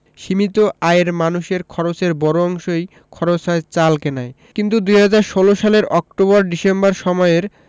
সীমিত আয়ের মানুষের খরচের বড় অংশই খরচ হয় চাল কেনায় কিন্তু ২০১৬ সালের অক্টোবর ডিসেম্বর সময়ের